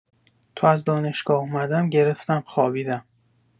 تا از دانشگاه اومدم گرفتم خوابیدم